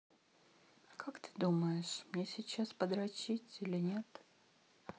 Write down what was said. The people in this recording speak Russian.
как ты думаешь мне сейчас подрочить или нет